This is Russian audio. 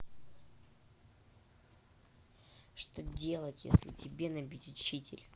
что делать если тебя набить учитель